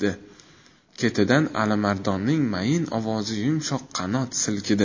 ketidan alimardonning mayin ovozi yumshoq qanot silkidi